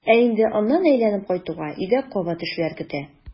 Ә инде аннан әйләнеп кайтуга өйдә кабат эшләр көтә.